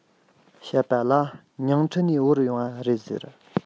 བཤད པ ལ ཉིང ཁྲི ནས དབོར ཡོང བ རེད ཟེར